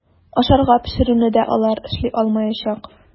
Ашарга пешерүне дә алар эшли алмаячак.